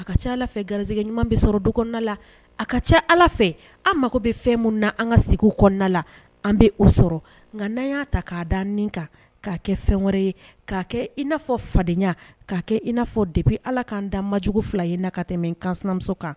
A ka cɛ ala fɛ garisɛgɛ ɲuman bɛ sɔrɔ du kɔnɔna la a ka cɛ ala fɛ an mago bɛ fɛn min na an ka segu kɔnɔna la an bɛ o sɔrɔ nka n'an y'a ta k'a da kan k kaa kɛ fɛn wɛrɛ ye k'a kɛ i n'a fɔ fadenyaya kaa kɛ in n'a fɔ debi ala ka kan dan majugu fila ye n naa ka tɛmɛ kanmuso kan